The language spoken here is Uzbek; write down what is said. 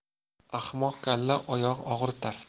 ahmoq kalla oyoq og'ritar